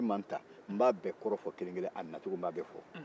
ni ɛri ma ne ta n b'a bɛ kɔrɔ fɔ kelen-kelen a nacogo n b'a bɛɛ fɔ